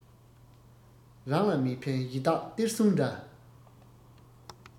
རང ལ མི ཕན ཡི དྭགས གཏེར སྲུང འདྲ